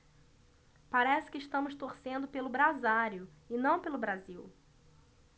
parece que estamos torcendo pelo brasário e não pelo brasil